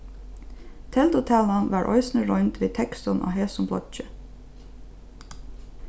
teldutalan varð eisini roynd við tekstum á hesum bloggi